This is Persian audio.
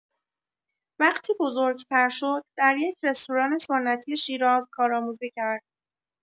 وقتی بزرگ‌تر شد، در یک رستوران سنتی شیراز کارآموزی کرد.